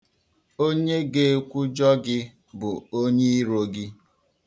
Onye ga-ekwụjọ gị bụ onye iro gị.